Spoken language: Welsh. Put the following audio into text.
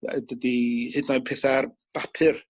yy dydi hyd yn oed peth ar bapur